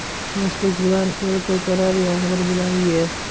tinchlik bilan el ko'karar yomg'ir bilan yer